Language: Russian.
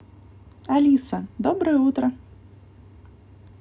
алиса доброе утро